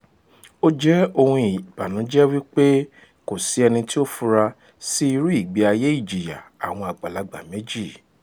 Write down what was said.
Ó jẹ́ ohun ìbànújẹ́ wípé kò sí ẹni tí ó fura sí irú ìgbé ayé ìjìyà àwọn àgbàlagbà méjì.